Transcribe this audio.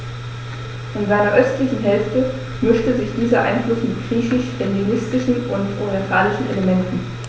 In seiner östlichen Hälfte mischte sich dieser Einfluss mit griechisch-hellenistischen und orientalischen Elementen.